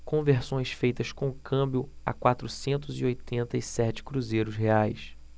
conversões feitas com câmbio a quatrocentos e oitenta e sete cruzeiros reais